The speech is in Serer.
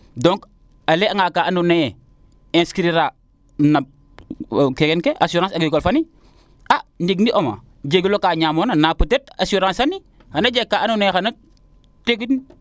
donc a ley anga kaa ando naye inscrir a na kene ke assurance agricole fani a ndiiki o mat jegiro kaa ñsmoons nda peut etre assurance ani xana jeg kaa ando naye xana tegin